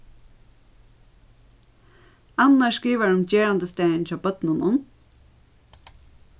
annar skrivar um gerandisdagin hjá børnunum